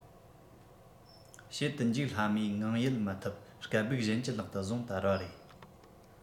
བྱེད དུ འཇུག སླ མོས ངང ཡལ མི ཐུབ སྐད སྦུག གཞན གྱི ལག ཏུ བཟུང དར བ རེད